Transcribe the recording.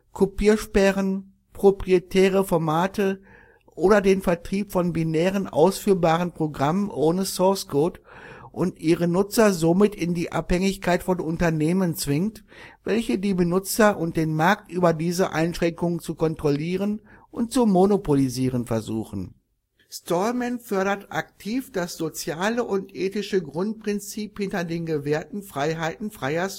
Kopiersperren, proprietäre Formate oder den Vertrieb von binären ausführbaren Programmen ohne Source code und ihre Nutzer somit in die Abhängigkeit von Unternehmen zwingt, welche die Benutzer und den Markt über diese Einschränkungen zu kontrollieren und zu monopolisieren versuchen. Stallman fördert aktiv das soziale und ethische Grundprinzip hinter den gewährten Freiheiten von Freier Software